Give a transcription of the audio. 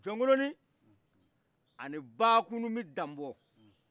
jɔkoloni ani bakunu bi danbɔ